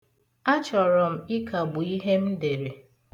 Achọrọ m ịkagbu ihe m dere.